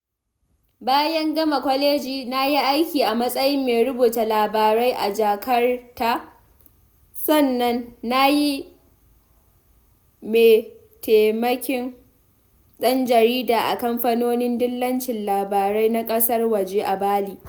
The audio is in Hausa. Bayan gama kwaleji, na yi aiki a matsayin mai rubuta labarai a Jakarta, sannan na yi maitaimakin ɗan jarida a kamfanin dillancin labarai na ƙasar waje a Bali.